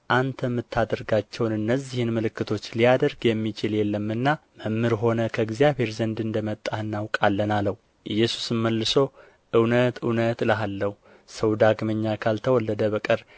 አንተ የምታደርጋቸውን እነዚህን ምልክቶች ሊያደርግ የሚችል የለምና መምህር ሆነህ ከእግዚአብሔር ዘንድ እንደ መጣህ እናውቃለን አለው ኢየሱስም መልሶ እውነት እውነት እልሃለሁ ሰው ዳግመኛ ካልተወለደ በቀር